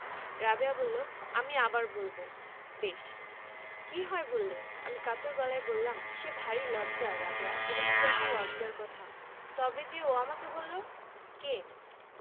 কেউ বলতে পারে ভাবিনি আমি বললাম কে বলেছে আজ সকালে বলেছে কে সে ঐ যে লম্বা ফর্সা রাবেয়া সেই ছেলেটির আর কোন পরিচয়ই দিতে পারবে না